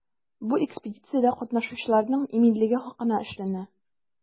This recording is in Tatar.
Бу экспедициядә катнашучыларның иминлеге хакына эшләнә.